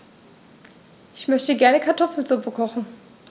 Ich möchte gerne Kartoffelsuppe kochen.